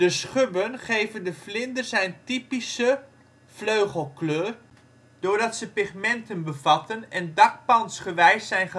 schubben geven de vlinder zijn typische vleugelkleur doordat ze pigmenten bevatten en dakpansgewijs zijn